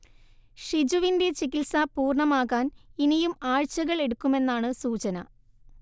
ഷിജുവിന്റെ ചികിൽസ പൂർണ്ണമാകാൻ ഇനിയും ആഴ്ചകൾ എടുക്കുമെന്നാണ് സൂചന